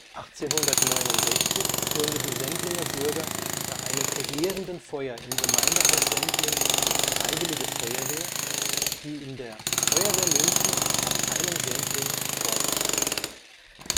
1869 gründeten Sendlinger Bürger nach einem verheerenden Feuer im Gemeindehaus Sendling eine Freiwillige Feuerwehr, die in der Feuerwehr München - Abteilung Sendling fortexistiert. Sendling 1867, Lithographie von Oskar Rickerl In